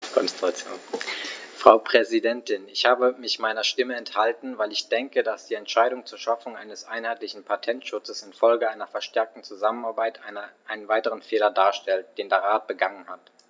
Frau Präsidentin, ich habe mich meiner Stimme enthalten, weil ich denke, dass die Entscheidung zur Schaffung eines einheitlichen Patentschutzes in Folge einer verstärkten Zusammenarbeit einen weiteren Fehler darstellt, den der Rat begangen hat.